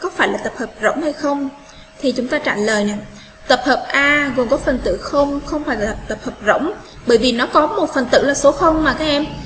không phải là tập hợp rỗng hay không thì chúng ta trả lời tập hợp a gồm các phần tử không không phải là tập hợp rỗng bởi vì nó có phần tử là số là hả em